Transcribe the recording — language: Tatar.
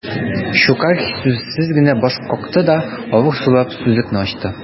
Щукарь сүзсез генә баш какты да, авыр сулап сүзлекне ачты.